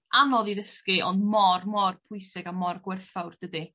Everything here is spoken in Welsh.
anodd i ddysgu ond mor mor pwysig a mor gwerthfawr dydi?